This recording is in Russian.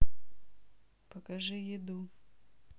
покажи еду